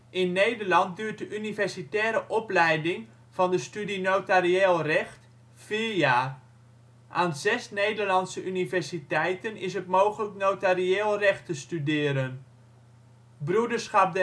In Nederland duurt de universitaire opleiding van de studie Notarieel recht vier jaar. Aan zes Nederlandse universiteiten is het mogelijk notarieel recht te studeren. Broederschap